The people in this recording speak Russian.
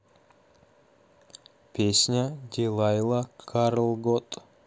песня дилайла карел готт